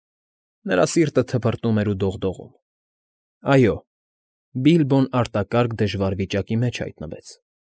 Նրա սիրտը թպրտում էր ու դողդողում։ Այո, Բիլբոն արտակարգ դժվար վիճակի մեջ հայտնվեց։